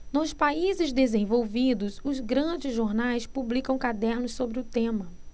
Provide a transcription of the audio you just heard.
nos países desenvolvidos os grandes jornais publicam cadernos sobre o tema